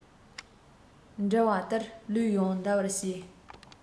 འགྲིལ བ ལྟར ལུས ཡོངས འདར བར བྱས